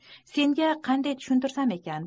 senga qanday tushuntirsam ekan